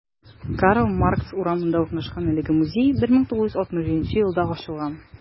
Карл Маркс урамында урнашкан әлеге музей 1967 елда ачылган.